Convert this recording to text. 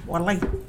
O layi